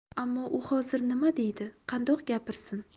ammo hozir u nima deydi qandoq gapirsin